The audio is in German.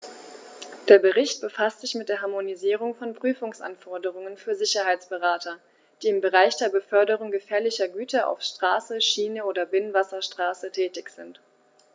Der Bericht befasst sich mit der Harmonisierung von Prüfungsanforderungen für Sicherheitsberater, die im Bereich der Beförderung gefährlicher Güter auf Straße, Schiene oder Binnenwasserstraße tätig sind.